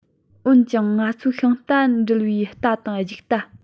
འོན ཀྱང ང ཚོས ཤིང རྟ འདྲུད པའི རྟ དང རྒྱུག རྟ